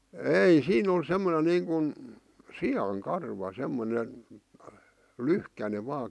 ei siinä on semmoinen niin kuin sian karva semmoinen lyhkäinen vain